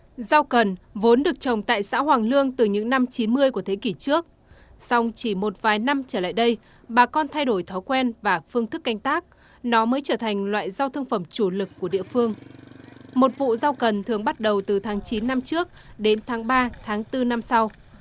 rau cần vốn được trồng tại xã hoằng lương từ những năm chín mươi của thế kỷ trước song chỉ một vài năm trở lại đây bà con thay đổi thói quen và phương thức canh tác nó mới trở thành loại rau thương phẩm chủ lực của địa phương một vụ rau cần thường bắt đầu từ tháng chín năm trước đến tháng ba tháng tư năm sau